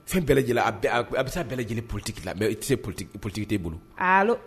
Fɛn bɛɛ lajɛlen a a bɛ bɛɛ lajɛlen porotigiki la p porotigite bolo